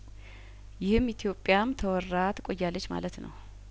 ይህም ኢትዮጵያም ተወራትቆ ያለች ማለት ነው